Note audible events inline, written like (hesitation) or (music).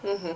(hesitation) (hesitation)